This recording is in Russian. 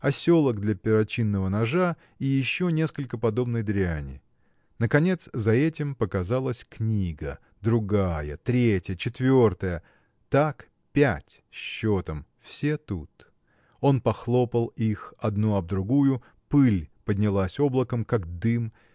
оселок для перочинного ножа и еще несколько подобной дряни. Наконец за этим показалась книга другая третья четвертая – так пять счетом – все тут. Он похлопал их одну об другую пыль поднялась облаком как дым